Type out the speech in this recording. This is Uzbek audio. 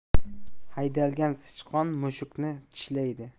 haydalgan sichqon mushukni tishlaydi